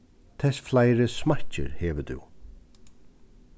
tess fleiri smakkir hevur tú